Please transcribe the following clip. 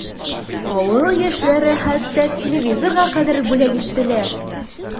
Авыл яшьләре хәтта телевизорга кадәр бүләк иттеләр.